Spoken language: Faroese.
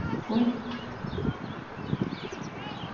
fínt